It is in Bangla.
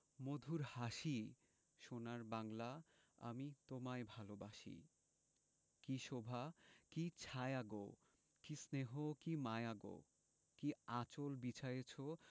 মধুর হাসি সোনার বাংলা আমি তোমায় ভালোবাসি কী শোভা কী ছায়া গো কী স্নেহ কী মায়া গো কী আঁচল বিছায়েছ